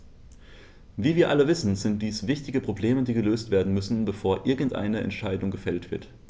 Wie wir alle wissen, sind dies wichtige Probleme, die gelöst werden müssen, bevor irgendeine Entscheidung gefällt wird.